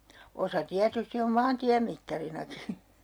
osa tietysti on maantiemittarinakin